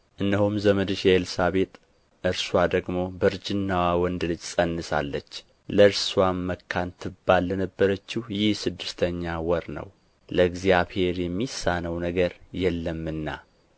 እነሆም ዘመድሽ ኤልሳቤጥ እርስዋ ደግሞ በእርጅናዋ ወንድ ልጅ ፀንሳለች ለእርስዋም መካን ትባል ለነበረችው ይህ ስድስተኛ ወር ነው ለእግዚአብሔር የሚሳነው ነገር የለምና